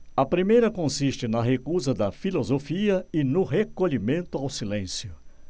a primeira consiste na recusa da filosofia e no recolhimento ao silêncio